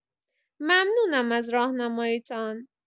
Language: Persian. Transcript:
ممنونم از راهنمایی‌تان.